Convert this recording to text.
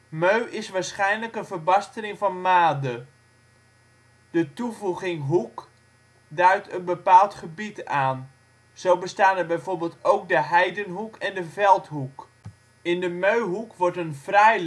Meu is waarschijnlijk een verbastering van made. De toevoeging hoek duidt een bepaald gebied aan: zo bestaan er bijvoorbeeld ook de Heidenhoek en de Veldhoek. In de Meuhoek wordt een fraai